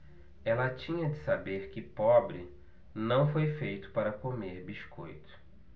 ela tinha de saber que pobre não foi feito para comer biscoito